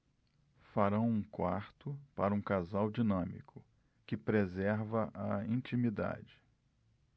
farão um quarto para um casal dinâmico que preserva a intimidade